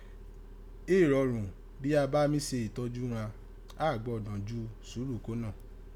Eè rọrọ̀n bí a bá mí se ìtọ́júu ghan, a gbọdọ jù sùúrù kó nọ̀.